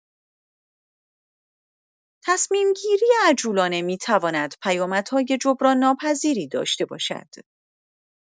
تصمیم‌گیری عجولانه می‌تواند پیامدهای جبران‌ناپذیری داشته باشد.